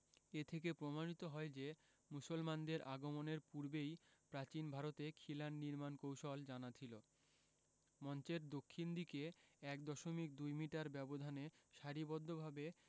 এ থেকে প্রমাণিত হয় যে মুসলমানদের আগমনের পূর্বেই প্রাচীন ভারতে খিলান নির্মাণ কৌশল জানা ছিল মঞ্চের দক্ষিণ দিকে ১ দশমিক ২ মিটার ব্যবধানে সারিবদ্ধভাবে